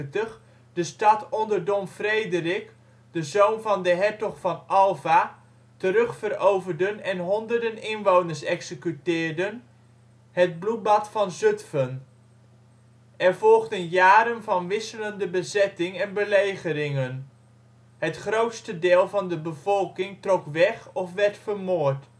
de stad onder Don Frederik, de zoon van de hertog van Alva, terugveroverden en honderden inwoners executeerden, het ' Bloedbad van Zutphen '. Kaart van Zutphen in 1649 Er volgden jaren van wisselende bezetting en belegeringen. Het grootste deel van de bevolking trok weg of werd vermoord